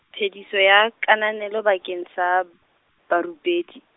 phediso ya, kananelo bakeng sa, barupedi.